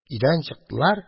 Өйдән чыктылар.